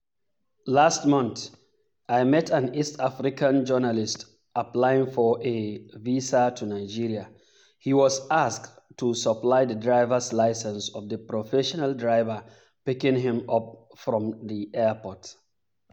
Last month, I met an East African journalist applying for a visa to Nigeria. He was asked to supply the driver's license of the professional driver picking him up from the airport!